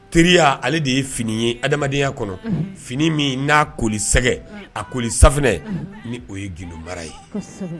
Teriya ale de ye fini ye adamadenyaya kɔnɔ fini min n'a ko sɛgɛ a ko sanfɛfunɛ ni o ye gun mara ye